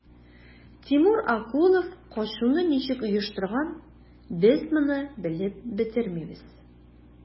Тимур Акулов качуны ничек оештырган, без моны белеп бетермибез.